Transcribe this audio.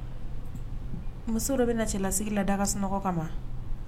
Muso dɔ bɛ na cɛlalasigi la dagaka sunɔgɔ kan ma